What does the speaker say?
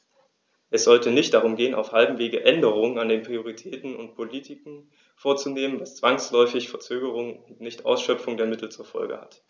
Es sollte nicht darum gehen, auf halbem Wege Änderungen an den Prioritäten und Politiken vorzunehmen, was zwangsläufig Verzögerungen und Nichtausschöpfung der Mittel zur Folge hat.